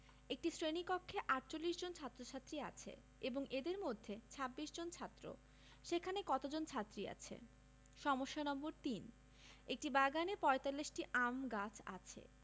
একটি শ্রেণি কক্ষে ৪৮ জন ছাত্ৰ-ছাত্ৰী আছে এবং এদের মধ্যে ২৬ জন ছাত্র সেখানে কতজন ছাত্রী আছে সমস্যা নম্বর ৩ একটি বাগানে ৪৫টি আম গাছ আছে